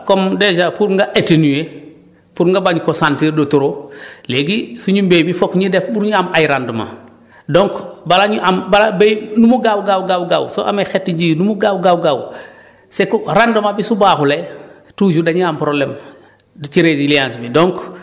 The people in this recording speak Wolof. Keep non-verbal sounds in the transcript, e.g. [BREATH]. voilà comme dèjà pour nga atténuer pour nga bañ koo sentir de trop [BREATH] léegi suñu mbéy mi foog ñu def bu ñuy am ay rendement donc balaa ñuy am balaa béy lu mu gaaw gaaw gaaw soo amee xeeti jiw bu mu gaaw gaaw gaaw [BREATH] c' est que rendement bi su baxulee toujours dañuy am problème du ci résilience bi